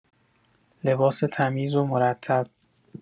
لباس تمیز و مرتب